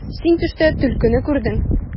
Син төштә төлкене күрдең.